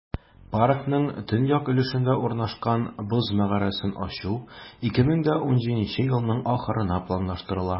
Паркның төньяк өлешендә урнашкан "Боз мәгарәсен" ачу 2017 елның ахырына планлаштырыла.